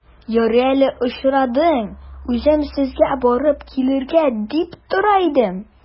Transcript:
Ярый әле очрадың, үзем сезгә барып килергә дип тора идем.